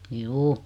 juu